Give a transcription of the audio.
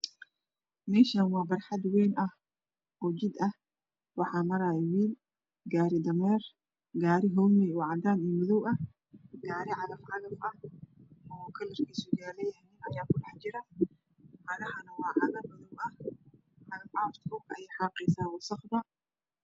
Meeshaan waa barxad wayn ah oo jid ah waxaa maraayo wiil gaari dameer gaari hoomeey oo cadaan iyo madow ah gaari cagafcagaf oo kalarkiisa jaalo yahay ayaa ku dhex jiro cagahana waa cago dhulub ah cagafcagfta shulka ayey xaaaqaysaa wasaqda